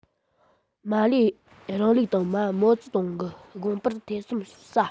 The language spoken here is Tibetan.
མར ལེའི རིང ལུགས དང མའོ ཙེ ཏུང གི དགོངས པར ཐེ ཚོམ ཟ